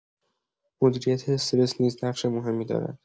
مدیریت استرس نیز نقش مهمی دارد.